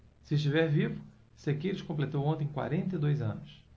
se estiver vivo sequeiros completou ontem quarenta e dois anos